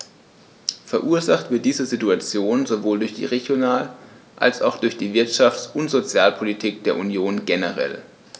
Verursacht wird diese Situation sowohl durch die Regional- als auch durch die Wirtschafts- und Sozialpolitik der Union generell.